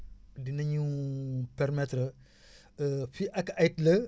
dinañu permettre fii ak ay at la